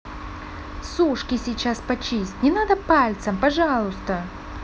сушки сейчас почисть не надо пальцем пожалуйста